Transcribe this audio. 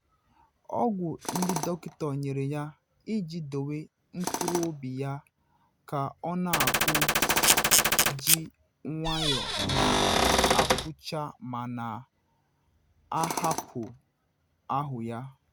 Ọgwụ ndị dọkịnta nyere ya iji dowe mkpụrụobi ya ka ọ na akụ ji nwayọ na apụcha ma na ahapụ ahụ ya.